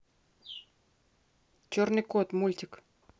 черный кот мультик